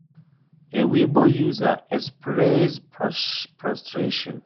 A Weibo user expressed frustration: